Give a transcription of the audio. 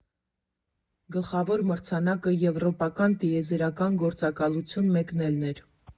Գլխավոր մրցանակը Եվրոպական տիեզերական գործակալություն մեկնելն էր։